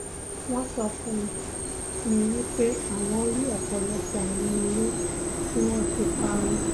Wọ́n sọ fún mi wí pé àwọn rí ọ̀pọ̀lọpọ̀ àwọn ilé tí wọn ti parun.